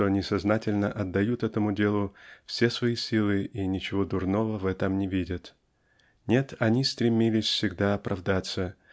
что они сознательно отдают этому делу все свои силы и ничего дурного в этом не видят. Нет они стремились всегда оправдаться